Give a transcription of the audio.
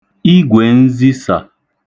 igwènzisà